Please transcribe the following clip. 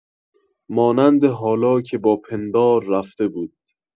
مانند حالا که با پندار رفته بود.